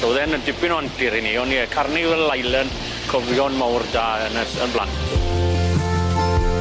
So o'dd e yn yn dipyn o antur i ni on' ie Carnival Island cofio'n mawr da yn y s- yn blant.